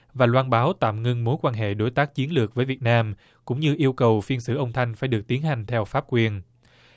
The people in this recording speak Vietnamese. và loan báo tạm ngưng mối quan hệ đối tác chiến lược với việt nam cũng như yêu cầu phiên xử ông thanh phải được tiến hành theo pháp quyền